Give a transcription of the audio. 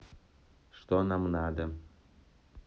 что нам надо